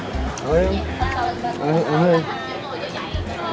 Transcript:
tuổi vì vậy nó